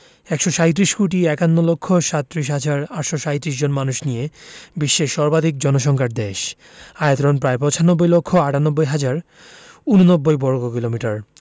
১৩৭ কোটি ৫১ লক্ষ ৩৭ হাজার ৮৩৭ জন মানুষ নিয়ে বিশ্বের সর্বাধিক জনসংখ্যার দেশ আয়তন প্রায় ৯৫ লক্ষ ৯৮ হাজার ৮৯ বর্গকিলোমিটার